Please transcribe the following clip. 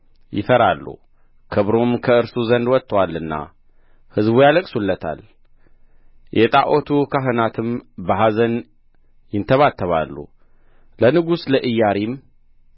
ይፈራሉ ክብሩም ከእርሱ ዘንድ ወጥቶአልና ሕዝቡ ያለቅሱለታል የጣዖቱ ካህናትም በኀዘን ይንተባተባሉ ለንጉሡ ለኢያሪም